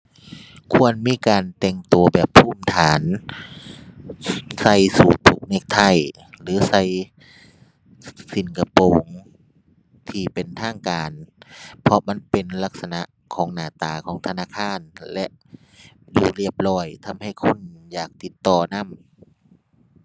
ควรมีการแต่งตัวแบบภูมิฐาน ใส่สูทผูกเน็กไทหรือใส่ ซิ่นกระโปรงที่เป็นทางการ เพราะมันเป็นลักษณะของหน้าตาของธนาคารและดูเรียบร้อย ทำให้คนอยากติดต่อนำ